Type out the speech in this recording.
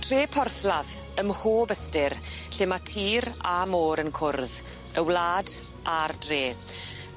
Tre porthladd ym mhob ystyr lle ma' tir a môr yn cwrdd, y wlad a'r dre.